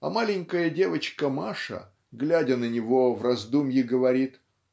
а маленькая девочка Маша, глядя на него, в раздумье говорит